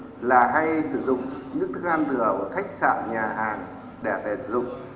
là hay sử dụng những thức ăn thừa của khách sạn nhà hàng để sử dụng